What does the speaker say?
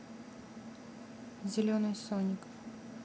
зеленый соник